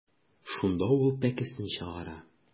Шунда ул пәкесен чыгара.